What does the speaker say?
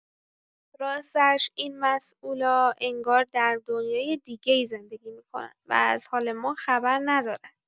راستش این مسئولا انگار در دنیای دیگه‌ای زندگی می‌کنن و از حال ما خبر ندارن.